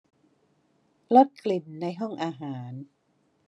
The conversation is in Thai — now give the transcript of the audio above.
ลดกลิ่นในห้องอาหาร